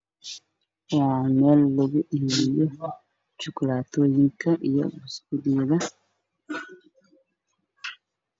Waa meel lagu iibiyo shukkolaatooyinka iyo buskudka